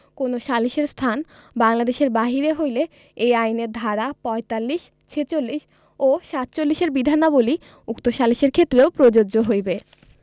কোন সালিসের স্থান বাংলঅদেশের বাহিরে হইলে এই আইনের ধারা ৪৫ ৪৬ ও ৪৭ এর বিধানাবলী উক্ত সালিসের ক্ষেত্রেও প্রযোজ্য হইবে